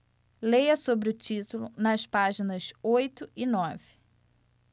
leia sobre o título nas páginas oito e nove